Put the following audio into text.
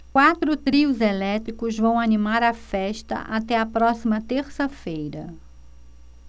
quatro trios elétricos vão animar a festa até a próxima terça-feira